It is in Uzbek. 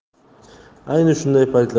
ayni shunday paytlarda o'zimga